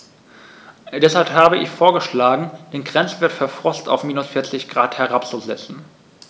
Deshalb habe ich vorgeschlagen, den Grenzwert für Frost auf -40 ºC herabzusetzen.